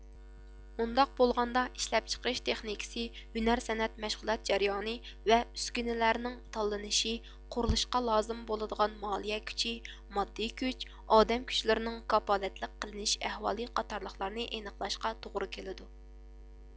مۇنداق بولغاندا ئىشلەپچىقىرىش تېخنىكىسى ھۈنەر سەنئەت مەشغۇلات جەريانى ۋە ئۈسكۈنىلەرنىڭ تاللىنىشى قۇرۇلۇشقا لازىم بولىدىغان مالىيە كۈچى ماددىي كۈچ ئادەم كۈچلىرىنىڭ كاپالەتلىك قىلىنىش ئەھۋالى قاتارلىقلارنى ئېنىقلاشقا توغرا كېلىدۇ